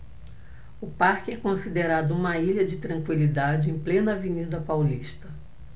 o parque é considerado uma ilha de tranquilidade em plena avenida paulista